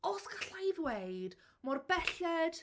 Os galla'i i ddweud mor belled.